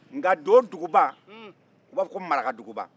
nka doduguba o b'a fɔ ko marakaduguba